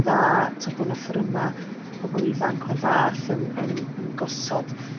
dda t- bo 'na fforyma' pobl ifanc o'r fath yn yn yn gosod